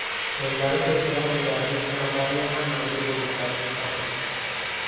o'zlari kelsalar mudarris janoblariga ham manzur bo'lishlari shubhasiz